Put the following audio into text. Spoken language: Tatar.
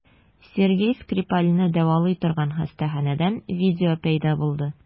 Сергей Скрипальне дәвалый торган хастаханәдән видео пәйда булды.